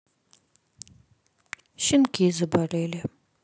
щенки заболели